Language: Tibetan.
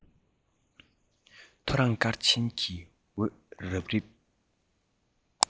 ཐོ རངས སྐར ཆེན གྱི འོད རབ རིབ